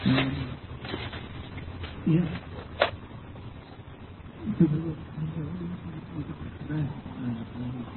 Yym ia, dwi'n meddwl myn' nôl i i i ddachre yy yy